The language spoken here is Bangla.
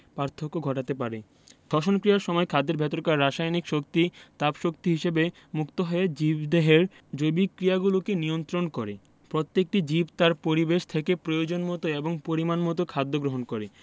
পার্থক্য ঘটাতে পারে শ্বসন ক্রিয়ার সময় খাদ্যের ভেতরকার রাসায়নিক শক্তি তাপ শক্তি হিসেবে মুক্ত হয়ে জীবদেহের জৈবিক ক্রিয়াগুলোকে নিয়ন্ত্রন করে প্রত্যেকটা জীব তার পরিবেশ থেকে প্রয়োজনমতো এবং পরিমাণমতো খাদ্য গ্রহণ করে